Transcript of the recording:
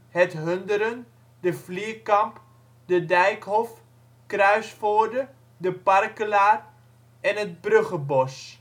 het Hunderen ',' de Flierkamp ',' de Dijkhof ',' Kruisvoorde ',' de Parkelaer ' en het ' Bruggebosch